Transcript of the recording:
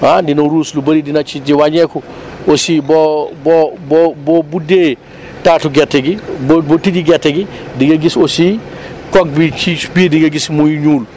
ah dina ruus lu bëri dina ci wàññeeku aussi boo boo boo boo buddee taatu gerte gi ba ba tijji gerte gi di nga gis aussi coque bi ci biir di nga gis muy ñuul